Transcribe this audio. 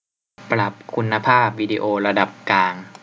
ปรับคุณภาพวิดีโอระดับกลาง